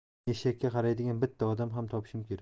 keyin eshakka qaraydigan bitta odam ham topishim kerak